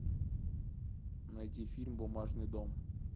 найди фильм бумажный дом